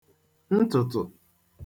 ntụ̀tụ̀